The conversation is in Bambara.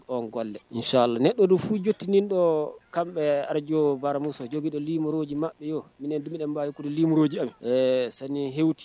Ɔ g ncl o don fujoten dɔ' bɛ arajo baramusosa jokidalimoji minɛnenbayiurlimoja eee sani h ci